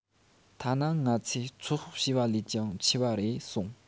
ཐ ན ང ཚོས ཚོད དཔག བྱས པ ལས ཀྱང ཆེ བ རེད གསུངས